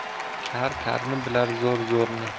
kar karni bilar zo'r zo'rni